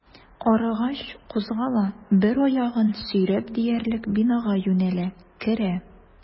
Арыгач, кузгала, бер аягын сөйрәп диярлек бинага юнәлә, керә.